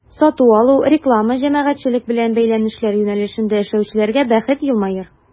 Сату-алу, реклама, җәмәгатьчелек белән бәйләнешләр юнәлешендә эшләүчеләргә бәхет елмаер.